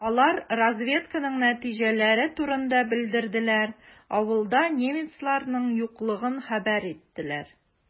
Алар разведканың нәтиҗәләре турында белдерделәр, авылда немецларның юклыгын хәбәр иттеләр.